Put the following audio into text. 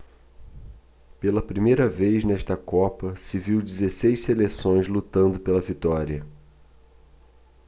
pela primeira vez nesta copa se viu dezesseis seleções lutando pela vitória